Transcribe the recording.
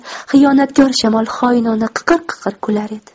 xiyonatkor shamol xoinona qiqir qiqir kular edi